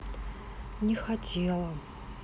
не хотела